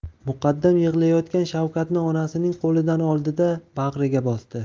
muqaddam yig'layotgan shavkatni onasining qo'lidan oldida bag'riga bosdi